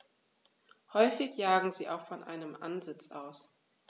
Häufig jagen sie auch von einem Ansitz aus.